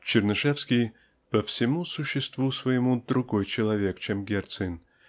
Чернышевский по всему существу своему другой человек, чем Герцен.